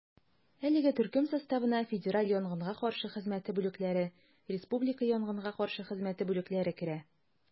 Әлеге төркем составына федераль янгынга каршы хезмәте бүлекләре, республика янгынга каршы хезмәте бүлекләре керә.